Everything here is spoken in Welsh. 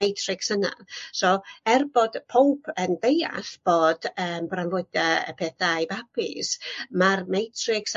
matrics yna so er bod powb yn deall bod yym bronfwydo y peth da i babis ma'r matrics